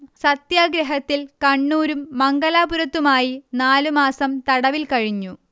സത്യാഗ്രഹത്തിൽ കണ്ണൂരും മംഗലാപുരത്തുമായി നാലു മാസം തടവിൽ കഴിഞ്ഞു